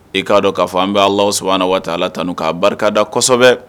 I k'a dɔn k'a fɔ an bɛ Alahu subahanahu waataala tanu k'a barikada kɔsɛbɛ